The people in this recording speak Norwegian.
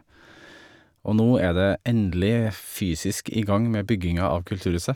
Og nå er det endelig fysisk i gang med bygginga av kulturhuset.